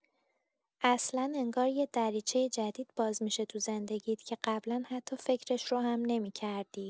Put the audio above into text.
اصلا انگار یه دریچه جدید باز می‌شه تو زندگیت که قبلا حتی فکرش رو هم نمی‌کردی.